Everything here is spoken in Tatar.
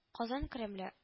Казан Кремле